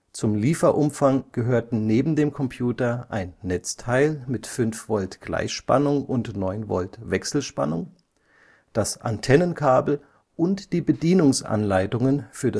Zum Lieferumfang gehörten neben dem Computer ein Netzteil (5 Volt Gleichspannung, 9 Volt Wechselspannung), das Antennenkabel und die Bedienungsanleitungen für